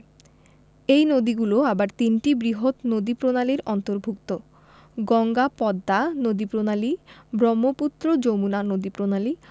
এই নদীগুলো আবার তিনটি বৃহৎ নদীপ্রণালীর অন্তর্ভুক্ত গঙ্গা পদ্মা নদীপ্রণালী ব্রহ্মপুত্র যমুনা নদীপ্রণালী